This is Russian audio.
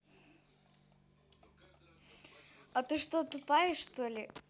а ты что тупая что ли